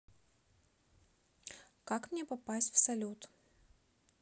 как мне попасть в салют